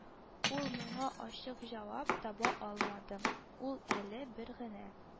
Ул моңа ачык җавап таба алмады, ул әле бер генә